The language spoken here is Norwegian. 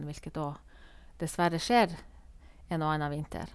Hvilket óg dessverre skjer en og anna vinter.